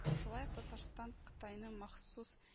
Шулай ук Татарстан Кытайның махсус